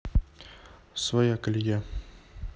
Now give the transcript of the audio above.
своя колея